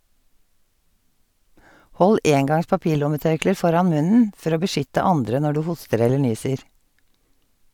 Hold engangs papirlommetørklær foran munnen for å beskytte andre når du hoster eller nyser.